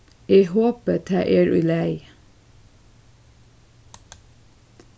eg hopi tað er í lagi